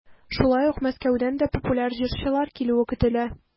Шулай ук Мәскәүдән дә популяр җырчылар килүе көтелә.